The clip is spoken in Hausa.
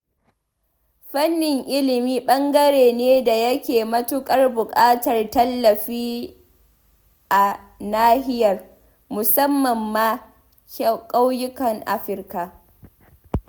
Fannin ilimi ɓangare ne da yake matuƙar buƙatar tallafi a nahiyar, musamman ma ƙauyukan Afirka.